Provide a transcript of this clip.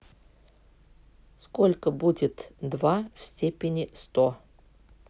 сколько будет два в степени сто